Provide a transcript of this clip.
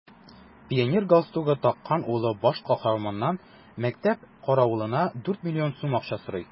Пионер галстугы таккан улы баш каһарманнан мәктәп каравылына дүрт миллион сум акча сорый.